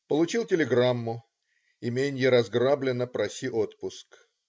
Получил телеграмму: "Именье разграблено, проси отпуск".